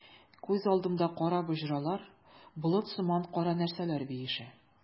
Күз алдымда кара боҗралар, болыт сыман кара нәрсәләр биешә.